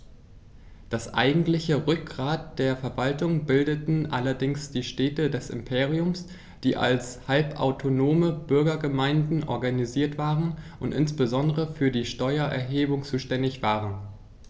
Das eigentliche Rückgrat der Verwaltung bildeten allerdings die Städte des Imperiums, die als halbautonome Bürgergemeinden organisiert waren und insbesondere für die Steuererhebung zuständig waren.